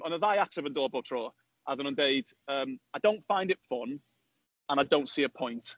Yym oedd 'na ddau ateb yn dod bob tro, a oeddan nhw'n deud, yym I don't find it fun and I don't see a point.